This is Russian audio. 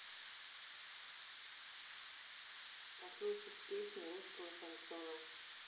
послушать песни русского шансона